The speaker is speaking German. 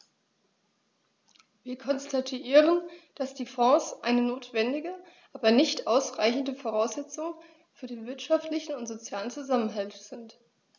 Wir konstatieren, dass die Fonds eine notwendige, aber nicht ausreichende Voraussetzung für den wirtschaftlichen und sozialen Zusammenhalt sind.